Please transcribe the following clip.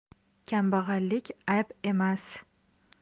kambag'allik ayb emas